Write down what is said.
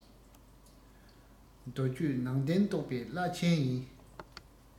མདོ རྒྱུད ནང བསྟན རྟོགས པའི བླ ཆེན ཡིན